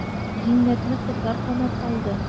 Зиннәтне кызлар камап алды.